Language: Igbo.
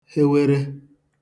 hewere